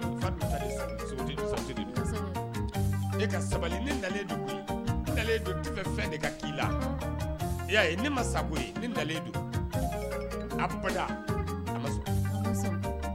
Sabali la i'a don a